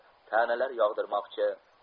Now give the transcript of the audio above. ta'nalar yog'dirmoqchi